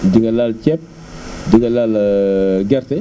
di nga laaj ceeb di nga laal gerte